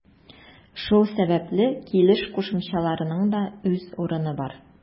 Шул сәбәпле килеш кушымчаларының да үз урыны бар.